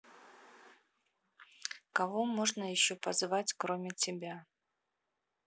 кого можно еще позвать кроме тебя